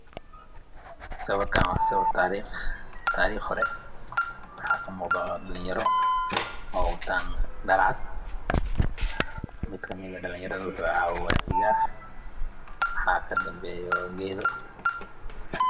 Sawirkan Tariq hore waxakamuqdo dhalanyaro watan dharcad mikamid Ah wuxu cabaya sigar waxakadanbeyo geedo